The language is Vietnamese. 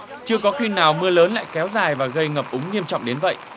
chưa có khi nào mưa lớn lại kéo dài và gây ngập úng nghiêm trọng đến vậy